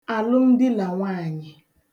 àlụmdilànwaanyị̀